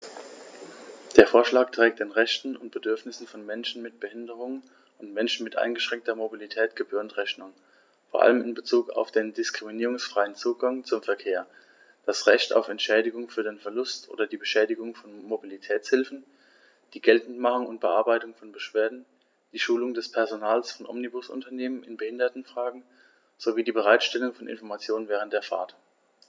Der Vorschlag trägt den Rechten und Bedürfnissen von Menschen mit Behinderung und Menschen mit eingeschränkter Mobilität gebührend Rechnung, vor allem in Bezug auf den diskriminierungsfreien Zugang zum Verkehr, das Recht auf Entschädigung für den Verlust oder die Beschädigung von Mobilitätshilfen, die Geltendmachung und Bearbeitung von Beschwerden, die Schulung des Personals von Omnibusunternehmen in Behindertenfragen sowie die Bereitstellung von Informationen während der Fahrt.